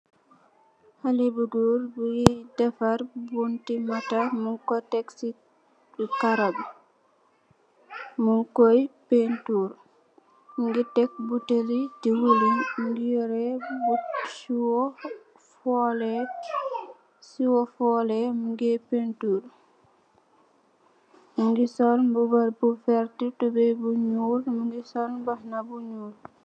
Haleh bu gorr bu defal bunti motto mugi ko tekk si kaaro bi, munkoi painturr, mugi tekk buteeli ndiwrin, mugi yorreh sowi fuuleh mugeh painturr, mugi sol bouba bu werte, tobaye bu niol, mugi sol bahana..